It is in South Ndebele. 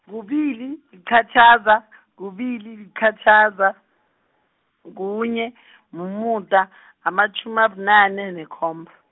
kubili, liqhatjhaza , kubili, liqhatjhaza, ku- kunye , umuda, amatjhumi abunane nekhomba.